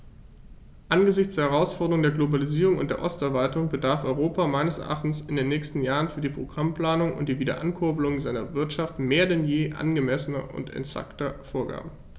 Angesichts der Herausforderung der Globalisierung und der Osterweiterung bedarf Europa meines Erachtens in den nächsten Jahren für die Programmplanung und die Wiederankurbelung seiner Wirtschaft mehr denn je angemessener und exakter Vorgaben.